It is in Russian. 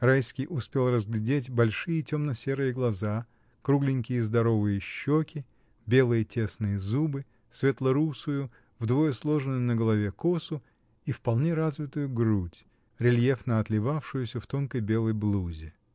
Райский успел разглядеть большие темно-серые глаза, кругленькие здоровые щеки, белые тесные зубы, светло-русую, вдвое сложенную на голове косу и вполне развитую грудь, рельефно отливавшуюся в тонкой белой блузе.